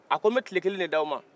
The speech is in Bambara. a ko n bɛ tile kelen de di aw ma